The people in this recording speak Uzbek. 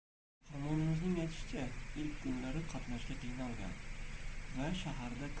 qahramonimizning aytishicha ilk kunlari qatnashga qiynalgan va